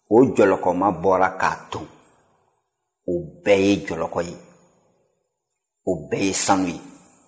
o jɔlɔkɔma bɔra k'a ton o bɛɛ ye jɔlɔkɔ ye o bɛɛ ye sanu ye